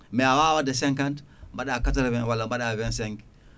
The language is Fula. mais a wawa wadde 50 mbaɗa 80 walla mbaɗa 25